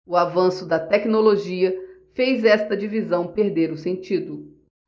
o avanço da tecnologia fez esta divisão perder o sentido